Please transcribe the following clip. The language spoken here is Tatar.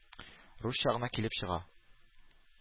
Русча гына килеп чыга.